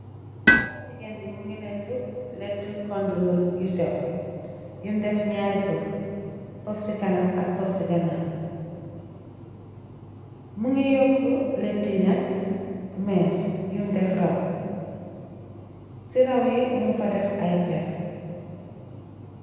xal bi jigéent bi mu ngi lettu lettu kondru yu sew yum def ñaari pëf pof ci kanam ak pof ci kana mu ngi yokk lëti nak mees yum def raw ci raw yi mum fa def ay pera